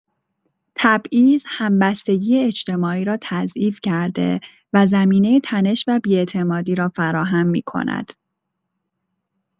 تبعیض، همبستگی اجتماعی را تضعیف کرده و زمینه تنش و بی‌اعتمادی را فراهم می‌کند.